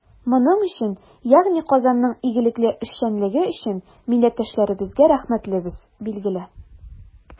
Моның өчен, ягъни Казанның игелекле эшчәнлеге өчен, милләттәшләребезгә рәхмәтлебез, билгеле.